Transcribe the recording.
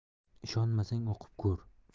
ishonmasang o'qib ko'r